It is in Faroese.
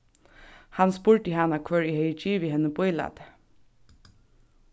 hann spurdi hana hvør ið hevði givið henni bílætið